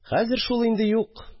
Хәзер шул инде юк